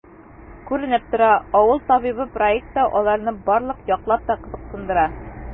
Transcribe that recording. Күренеп тора,“Авыл табибы” проекты аларны барлык яклап та кызыксындыра.